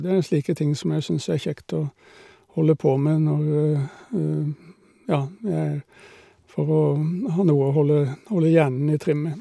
Det er slike ting som jeg syns er kjekt å holde på med når ja jeg for å ha noe å holde holde hjernen i trim med.